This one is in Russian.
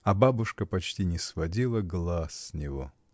А бабушка почти не сводила глаз с него.